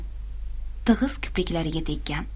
tig'iz kipriklariga tekkan